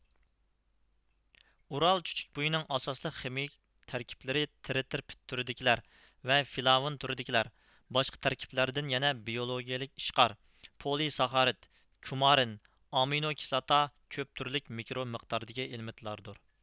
ئۇرال چۈچۈكبۇيىنىڭ ئاساسلىق خىمىيىلىك تەركىبلىرى ترىترپىت تۈرىدىكىلەر ۋە فلاۋون تۈرىدىكىلەر باشقا تەركىبلەردىن يەنە بىئولوگىيىلىك ئىشقار پولى ساخارىد كۇمارىن ئامىنو كىسلاتا كۆپ تۈرلۈك مىكرو مىقداردىكى ئېلېمېنتلاردۇر